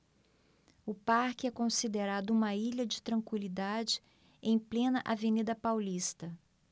o parque é considerado uma ilha de tranquilidade em plena avenida paulista